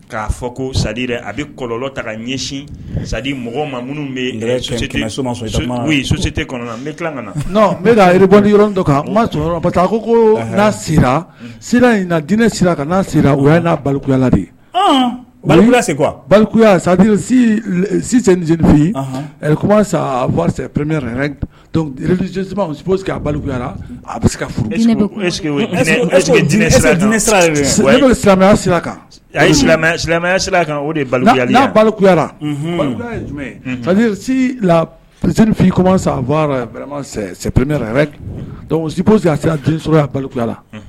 K'a fɔ ko sadi a bɛ kɔ ta ɲɛsin saji mɔgɔ ma minnu bɛ so ka naredi yɔrɔ dɔ kan ko ko n'a dinɛ u'yala deseya sa akuya a se silamɛya sira kan silamɛya kan okuyapcp a sɔrɔyala